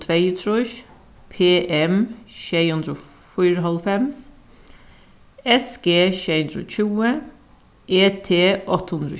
tveyogtrýss p m sjey hundrað og fýraoghálvfems s g sjey hundrað og tjúgu e t átta hundrað og